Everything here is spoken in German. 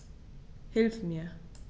Hilf mir!